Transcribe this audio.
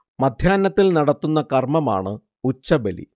മധ്യാഹ്നത്തിൽ നടത്തുന്ന കർമമാണ് ഉച്ചബലി